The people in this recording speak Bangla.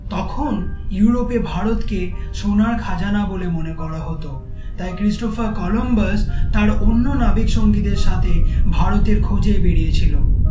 তখন ইউরোপে ভারতকে সোনার খাজানা বলে মনে করা হতো তাই ক্রিস্টোফার কলম্বাস তার অন্য নাবিক সঙ্গীদের সাথে ভারতের খোঁজে বেরিয়ে ছিল